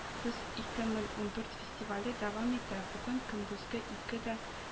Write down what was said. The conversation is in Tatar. Фест-ике мен ундурт” фестивале дәвам итә. бүген көндезге ике дә